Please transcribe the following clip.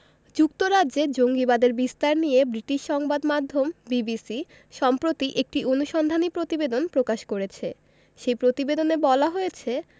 যুক্তরাজ্যে জঙ্গিবাদের বিস্তার নিয়ে ব্রিটিশ সংবাদমাধ্যম বিবিসি সম্প্রতি একটি অনুসন্ধানী প্রতিবেদন প্রকাশ করেছে সেই প্রতিবেদনে বলা হয়েছে